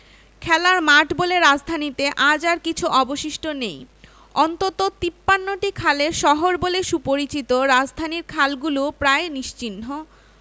খেলার মাঠ বলে রাজধানীতে আজ আর কিছু অবশিষ্ট নেই অন্তত ৫৩টি খালের শহর বলে সুপরিচিত রাজধানীর খালগুলো প্রায় নিশ্চিহ্ন